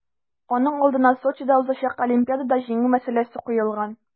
Аның алдына Сочида узачак Олимпиадада җиңү мәсьәләсе куелган.